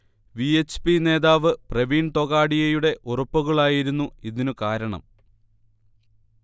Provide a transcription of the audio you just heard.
V. H. P. നേതാവ് പ്രവീൺ തൊഗാഡിയയുടെ ഉറപ്പുകളായിരുന്നു ഇതിന് കാരണം